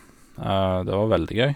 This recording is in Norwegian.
Det var veldig gøy.